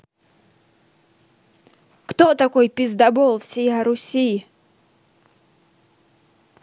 кто такой пиздабол всея руси